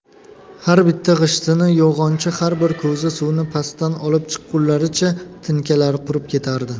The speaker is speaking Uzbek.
har bitta g'ishtni yog'ochni har bir ko'za suvni pastdan olib chiqqunlaricha tinkalari qurib ketardi